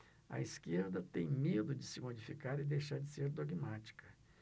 a esquerda tem medo de se modificar e deixar de ser dogmática